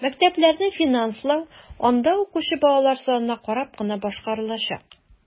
Мәктәпләрне финанслау анда укучы балалар санына карап кына башкарылачак.